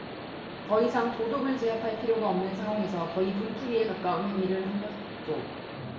더 이상 도둑을 제압할 필요가 없는 상황에서 거의 분풀이에 가까운 행위를 한 거죠